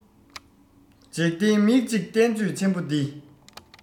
འཇིག རྟེན མིག གཅིག བསྟན བཅོས ཆེན པོ འདི